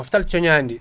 moftal coñadi